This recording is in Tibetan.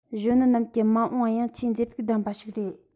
གཞོན ནུ རྣམས ཀྱི མ འོངས པ ཡང ཆེས མཛེས སྡུག ལྡན པ ཞིག རེད